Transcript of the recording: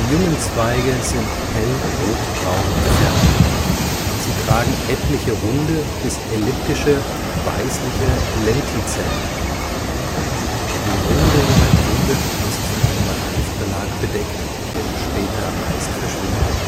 jungen Zweige sind hell-rotbraun gefärbt. Sie tragen etliche runde bis elliptische, weißliche Lentizellen. Die Rinde junger Triebe ist von einem Reifbelag bedeckt, der später meist verschwindet